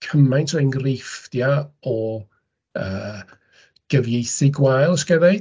Cymaint o enghreifftiau o yy gyfeithu gwael, os ca i ddweud?